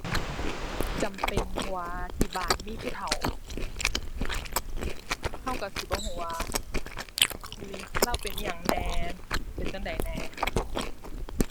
จำเป็น เพราะว่าที่บ้านมีผู้เฒ่า เราเราสิบ่เราว่ามื้อนี้เลาเป็นอิหยังแหน่ เป็นจั่งใดแหน่